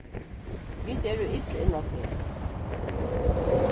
vit eru ill inn á teg